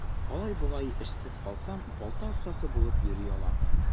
Алай-болай эшсез калсам, балта остасы булып йөри алам.